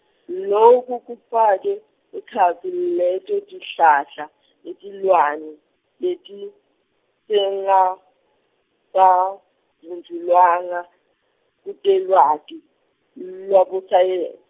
loku kufake ekhatsi leto tihlahla netilwane letisengakavunjululwa kutelwati lwabososaye-.